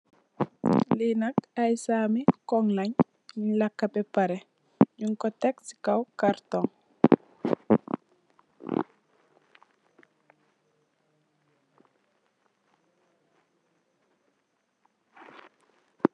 Lii nak aiiy saaami kong len, yungh lakah beh pareh, njung kor tek cii kaw karton.